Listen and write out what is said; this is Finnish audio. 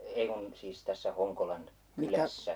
ei kun siis tässä Honkolan kylässä